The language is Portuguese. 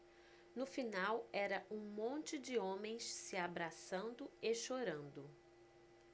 no final era um monte de homens se abraçando e chorando